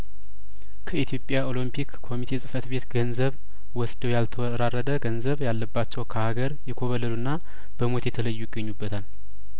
ከኢትዮጵያ ኦሎምፒክ ኮሚቴ ጽፈት ቤት ገንዘብ ወስደው ያልተወራ ረደ ገንዘብ ያለባቸው ከሀገር የኮበለሉና በሞት የተለዩ ይገኙ በታል